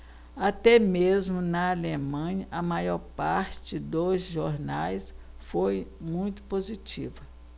até mesmo na alemanha a maior parte dos jornais foi muito positiva